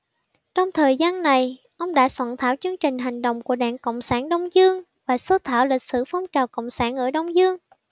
trong thời gian này ông đã soạn thảo chương trình hành động của đảng cộng sản đông dương và sơ thảo lịch sử phong trào cộng sản ở đông dương